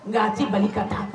N k'a a t'i bali ka taa,